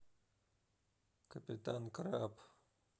капитан краб